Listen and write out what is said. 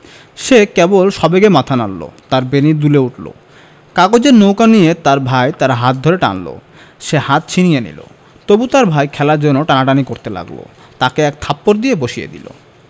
সে কেবল সবেগে মাথা নাড়ল তার বেণী দুলে উঠল কাগজের নৌকো নিয়ে তার ভাই তার হাত ধরে টানলে সে হাত ছিনিয়ে নিলে তবু তার ভাই খেলার জন্যে টানাটানি করতে লাগল তাকে এক থাপ্পড় বসিয়ে দিল